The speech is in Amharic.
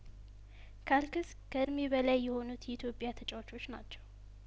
ካልክስ ከእድሜ በላይ የሆኑት የኢትዮጵያ ተጨዋቾች ናቸው